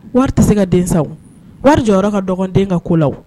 Wari ti se ka den san . Wari jɔyɔrɔ ka dɔgɔ den ka ko la.